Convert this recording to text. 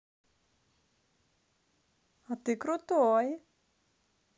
а ты крутой